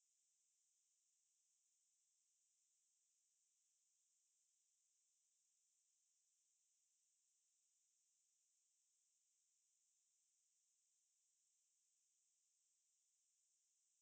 চীন সফরের প্রাক্কালে চায়না মিডিয়া গ্রুপকে দেওয়া এক সাক্ষাৎকারে পুতিন বলেন আমি আশা করছি যে বৈঠক আয়োজনে উত্তর কোরীয় নেতা কিম জং উন ও মার্কিন প্রেসিডেন্ট যে সাহসী ও পরিপক্ব সিদ্ধান্ত নিয়েছেন